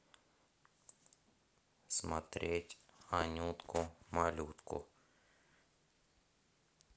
смотреть анютку малютку